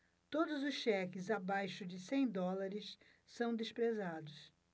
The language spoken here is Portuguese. todos os cheques abaixo de cem dólares são desprezados